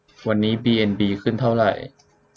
วันนี้บีเอ็นบีขึ้นเท่าไหร่